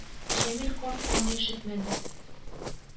Җәмил карт аны ишетмәде.